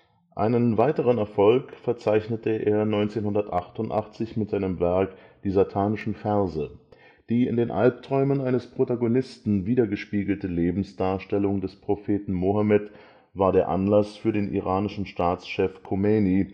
Einen weiteren Erfolg verzeichnete er 1988 mit seinem Werk Die satanischen Verse. Die in den Albträumen eines Protagonisten widergespiegelte Lebensdarstellung des Propheten Mohammed war der Anlass für den iranischen Staatschef Khomeini